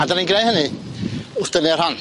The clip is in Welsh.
A 'da ni'n gneu' hynny wrth dynnu a'r hon.